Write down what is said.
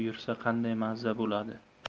yursa qanday maza bo'ladi